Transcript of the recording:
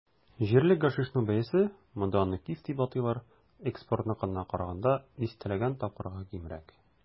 Җирле гашишның бәясе - монда аны "киф" дип атыйлар - экспортныкына караганда дистәләгән тапкырга кимрәк.